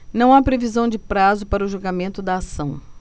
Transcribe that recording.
não há previsão de prazo para o julgamento da ação